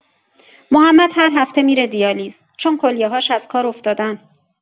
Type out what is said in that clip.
محمد هر هفته می‌ره دیالیز، چون کلیه‌هاش از کار افتادن.